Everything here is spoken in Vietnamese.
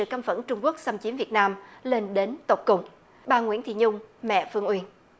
căm phẫn trung quốc xâm chiếm việt nam lên đến tột cùng bà nguyễn thị nhung mẹ phương uyên